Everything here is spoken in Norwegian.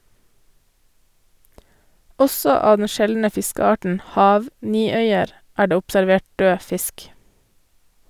Også av den sjeldne fiskearten "hav- niøyer" er det observert død fisk.